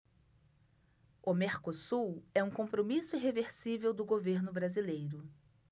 o mercosul é um compromisso irreversível do governo brasileiro